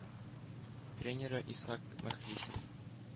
Тренеры – исхак мөхлисов